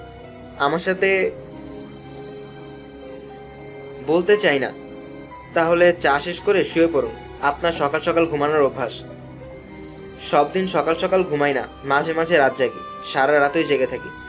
আমার সাথে বলতে চাই না তাহলে চা শেষ করে করে শুয়ে পড়ুন আপনার সকাল সকাল ঘুমানোর অভ্যাস সব দিন সকাল সকাল ঘুমাই না মাঝে মাঝে রাত জাগি সারা রাতে ওই জেগে থাকি